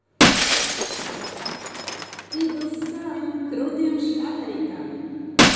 ты был самым крутым шариком